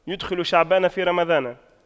يُدْخِلُ شعبان في رمضان